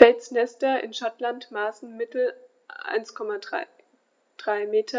Felsnester in Schottland maßen im Mittel 1,33 m x